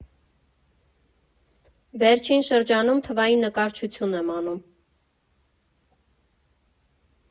Վերջին շրջանում թվային նկարչություն եմ անում։